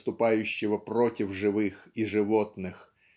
выступающего против живых и животных